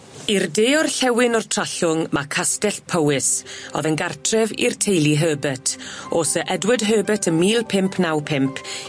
I'r de orllewin o'r Trallwng ma' Castell Powys o'dd yn gartref i'r teulu Herbert o Sy' Edward Herbert ym mil pump naw pump